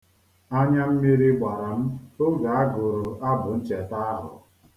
Anya mmiri gbara m oge a gụrụ abụ ncheta ahụ.